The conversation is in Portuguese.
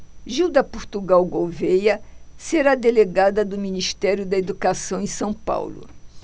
gilda portugal gouvêa será delegada do ministério da educação em são paulo